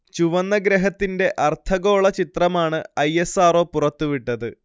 ചുവന്ന ഗ്രഹത്തിന്റെ അർദ്ധഗോള ചിത്രമാണ് ഐ. എസ്. ആർ. ഒ. പുറത്തുവിട്ടത്